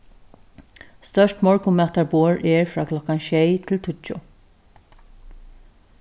stórt morgunmatarborð er frá klokkan sjey til tíggju